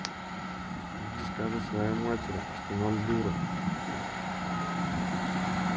иди скажи своей матери что нам дура